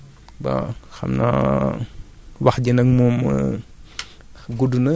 fexe daal ba baykat bi bay am ay résultats ci li muy bay